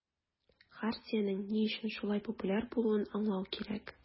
Хартиянең ни өчен шулай популяр булуын аңлау кирәк.